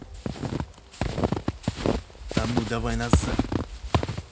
а ну давай назад